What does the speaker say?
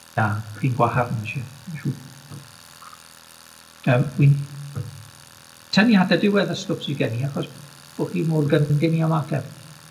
Na, chi'n gwahardd isie, dwi'n siŵr. Yym wi'n tynnu at y diwedd y stwff sy gen i achos bo' chi mor gyndyn i ymateb.